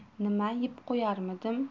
nima yeb qo'yarmidim